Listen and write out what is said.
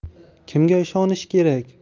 kimga ishonish kerak